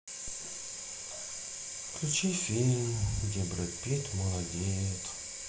включи фильм где брэд питт молодеет